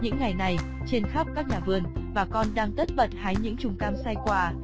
những ngày này trên khắp các nhà vườn bà con đang tất bật hái những chùm cam sai quả một số ít những nhà vườn đã hái cam bán ra thị trường